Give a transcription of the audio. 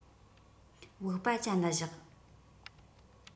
བུག པ ཅན ལ བཞག